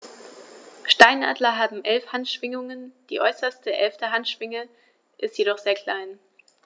Steinadler haben 11 Handschwingen, die äußerste (11.) Handschwinge ist jedoch sehr klein.